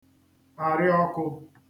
àrịọ̄kụ̄